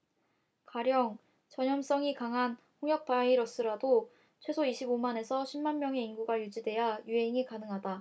가령 전염성이 강한 홍역 바이러스라도 최소 이십 오 만 에서 쉰 만명의 인구가 유지돼야 유행이 가능하다